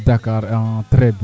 Dackar a tres bien